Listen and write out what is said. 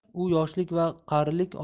u yoshlik va qarilik